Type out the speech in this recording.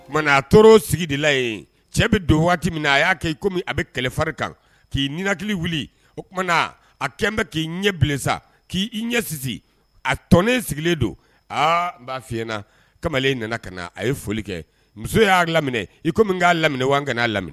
O tumaumana sigi cɛ bɛ don waati min aa a bɛ kɛlɛ fari kan k'i hakili wuli o a kɛlen k'i ɲɛ bilensa k' ɲɛsisi a tnen sigilen don aa n'a fiyɲɛna kamalen nana ka na a ye foli kɛ muso y'a laminɛ i kɔmi k'a laminɛ ka n'a laminɛ